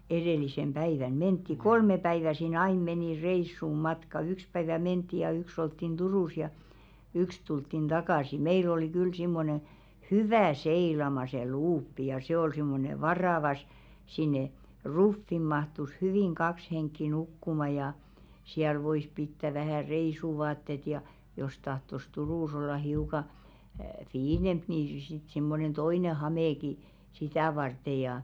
edellisenä päivänä mentiin kolme päivää siinä aina meni reissun matka yksi päivä mentiin ja yksi oltiin Turussa ja yksi tultiin takaisin meillä oli kyllä semmoinen hyvä seilaamaan se luuppi ja se oli semmoinen varava - sinne ruffiin mahtui hyvin kaksi henkeä nukkumaan ja siellä voi pitää vähän reissuvaatteet ja jos tahtoi Turussa olla hiukan fiinimpi niin - sitten semmoinen toinen hamekin sitä varten ja